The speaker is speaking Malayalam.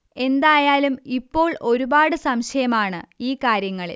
എന്തായാലും ഇപ്പോൾ ഒരുപാട് സംശയം ആണ് ഈ കാര്യങ്ങളിൽ